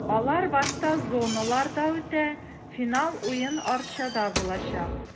Алар башта зоналарда үтә, финал уен Арчада булачак.